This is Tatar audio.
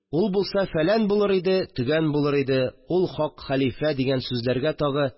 Ул булса, фәлән булыр иде, төгән булыр иде, ул хак хәлифә дигән сүзләргә тагы